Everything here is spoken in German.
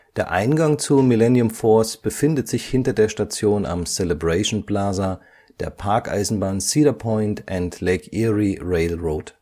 Der Eingang zu Millennium Force befindet sich hinter der Station am Celebration Plaza der Parkeisenbahn Cedar Point & Lake Erie Railroad